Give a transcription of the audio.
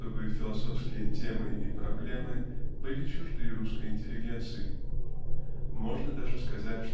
чтобы философские темы и проблемы были чужды русской интеллигенции. Можно даже сказать